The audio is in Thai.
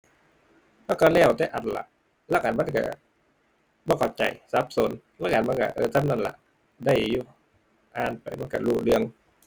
มันก็แล้วแต่อันล่ะ ลางอันมันก็บ่เข้าใจ สับสน ลางอันมันก็ เออ ส่ำนั้นล่ะ ได้อยู่ อ่านไปมันก็รู้เรื่อง